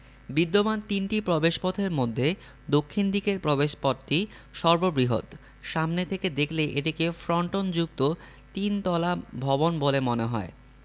বিদ্যমান তিনটি প্রবেশপথের মধ্যে দক্ষিণ দিকের প্রবেশপথটি সর্ববৃহৎ সামনে থেকে দেখলে এটিকে ফ্রন্টনযুক্ত তিন তলা ভবন বলে মনে হয়